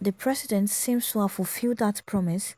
The president seems to have fulfilled that promise,